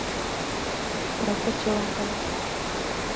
про котенка